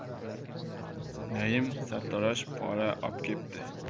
naim sartarosh pora obkepti